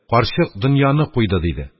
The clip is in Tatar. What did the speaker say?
– карчык дөньяны куйды! – диде.